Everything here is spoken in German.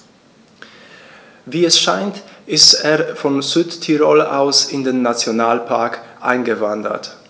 Wie es scheint, ist er von Südtirol aus in den Nationalpark eingewandert.